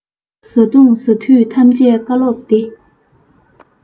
བཟའ བཏུང ཟ དུས ཐམས ཅད བཀའ སློབ བདེ